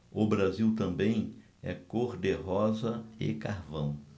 o brasil também é cor de rosa e carvão